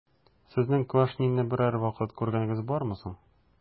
Сезнең Квашнинны берәр вакыт күргәнегез бармы соң?